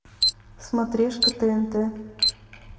смотрешка тнт